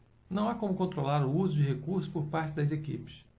não há como controlar o uso dos recursos por parte das equipes